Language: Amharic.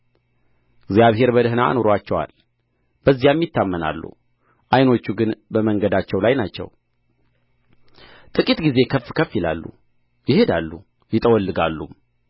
እግዚአብሔር በደኅና አኑሮአቸዋል በዚያም ይታመናሉ ዓይኖቹ ግን በመንገዳቸው ላይ ናቸው ጥቂት ጊዜ ከፍ ከፍ ይላሉ ይሄዳሉ ይጠወልጋሉም